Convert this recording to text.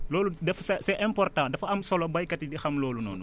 loolu def c' est important dafa am solo béykat yi di xam loolu noonu